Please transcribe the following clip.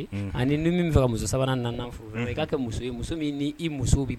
Ani ni min b'a fɛ ka muso saba ni naani furu, unhun, o la i ka muso ye, muso min ni musow bi